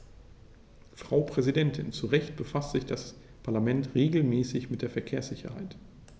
Frau Präsidentin, zu Recht befasst sich das Parlament regelmäßig mit der Verkehrssicherheit.